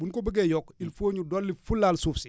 bu ñu ko bëggee yokk il faut ñu dolli fulaal suuf si